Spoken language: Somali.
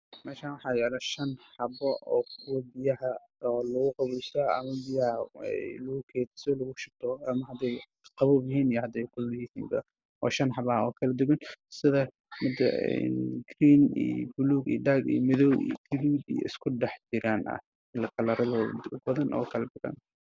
Meeshaan wax yaalo shan baa kadood oo ah gaduud iyo cadaan jaallo waxayna ka kooban yihiin shan xabo kalaradooduna ay badanyihiin